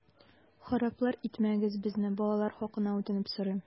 Хараплар итмәгез безне, балалар хакына үтенеп сорыйм!